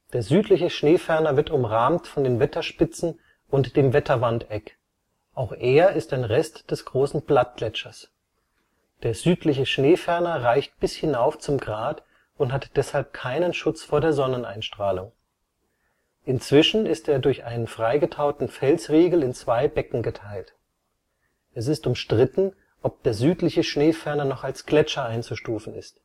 Der Südliche Schneeferner wird umrahmt von den Wetterspitzen und dem Wetterwandeck. Auch er ist ein Rest des großen Plattgletschers. Der südliche Schneeferner reicht bis hinauf zum Grat und hat deshalb keinen Schutz vor der Sonneneinstrahlung. Inzwischen ist er durch einen freigetauten Felsriegel in zwei Becken geteilt. Es ist umstritten, ob der Südliche Schneeferner noch als Gletscher einzustufen ist